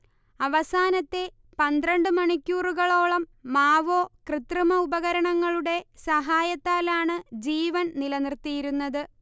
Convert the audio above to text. അവസാനത്തെ പന്ത്രണ്ട് മണിക്കൂറുകളോളം മാവോ കൃത്രിമ ഉപകരണങ്ങളുടെ സഹായത്താലാണ് ജീവൻ നിലനിർത്തിയിരുന്നത്